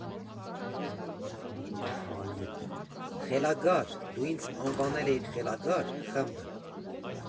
Խելագա՞ր, դու ինձ անվանել էիր խելագա՞ր ֊ խմբ.